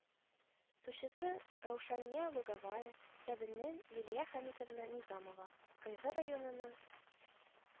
Тучысы раушания луговая), тәбеннән лилия хәмитовага низамова), кыйгы районыны